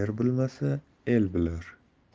er bilmasa el bilar